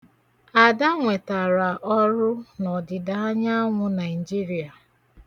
Ada nwetara ọrụ n'ọdịdaanyanwụ Naịjirịa.